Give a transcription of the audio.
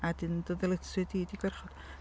a wedyn dy dyletswydd di 'di gwarchod.